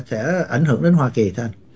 sẽ ảnh hưởng đến hoa kỳ